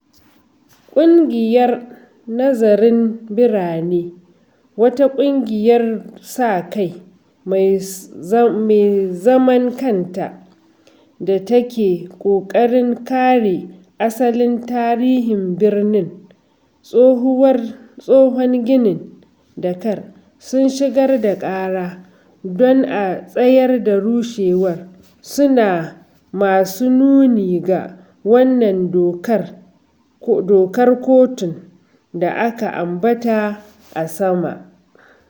ƙungiyar Nazarin Birane, wata ƙungiyar sa-kai mai zaman kanta da take ƙoƙarin kare asalin tarihin birnin Tsohon garin Dhaka, sun shigar da ƙara don a tsayar da rushewar, suna masu nuni ga wannan dokar kotun da aka ambata a sama.